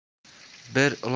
bir ilon bir